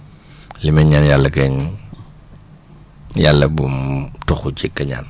li may ñaan yàlla kay yàlla bum toxu ci keñaan